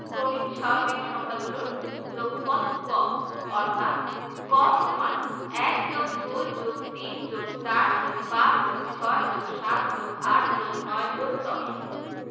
ক্রমিক স্বাভাবিক সংখ্যাগুলোর যোগফল ক অর্থাৎ ক = ১+২+৩+৪+৫+৬+৭+৮+৯+১০